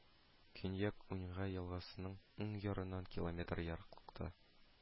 Көньяк Уньга елгасының уң ярыннан километр ераклыкта